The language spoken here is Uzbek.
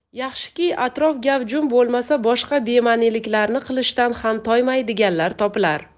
yaxshiki atrof gavjum bo'lmasa boshqa bema'niliklarni qilishdan ham toymaydiganlar topilar